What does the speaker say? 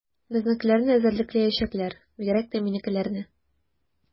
Безнекеләрне эзәрлекләячәкләр, бигрәк тә минекеләрне.